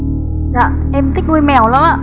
dạ em thích nuôi mèo lắm ạ